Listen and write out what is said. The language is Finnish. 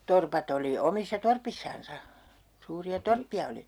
torpat oli omissa torpissansa suuria torppia oli